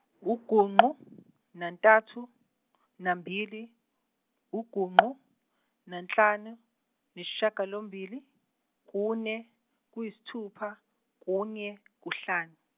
ugungqu nantathu nambili ugungqu nanhlanu nesishiyagalombili kune kuyisithupha kunye kuhlanu.